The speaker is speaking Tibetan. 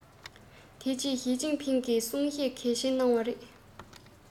དེ རྗེས ཞིས ཅིན ཕིང གིས གསུང བཤད གལ ཆེན གནང བ རེད